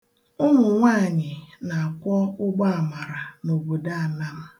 Ụmụnwaanyị na-akwọ ụgbọamara n'obodo Anam.